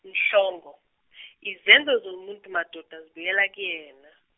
Mhlongo , izenzo zomuntu madoda zibuyela kuyena.